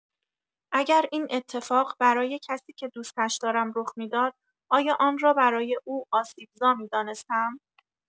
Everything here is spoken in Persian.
اگر این اتفاق برای کسی که دوستش دارم رخ می‌داد، آیا آن را برای او آسیب‌زا می‌دانستم؟